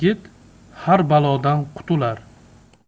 yigit har balodan qutular